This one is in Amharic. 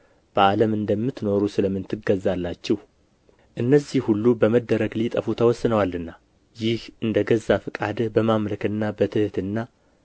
በዓለም እንደምትኖሩ ስለ ምን ትገዛላችሁ እነዚህ ሁሉ በመደረግ ሊጠፉ ተወስነዋልና ይህ እንደ ገዛ ፈቃድህ በማምለክና በትሕትና